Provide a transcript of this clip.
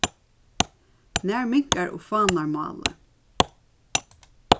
nær minkar og fánar málið